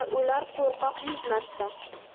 o'lar qo'rqoq yuz marta